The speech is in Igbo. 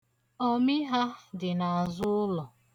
Ọmị ha dị n'azụ ụlọ.